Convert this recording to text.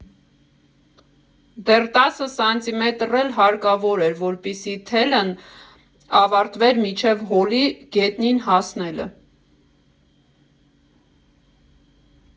Դեռ տասը սանտիմետր էլ հարկավոր էր, որպեսզի թելն ավարտվեր մինչև հոլի՝ գետնին հասնելը։